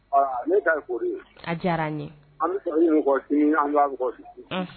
Ne ka koɔri a diyara n ye an mɔgɔ an' mɔgɔ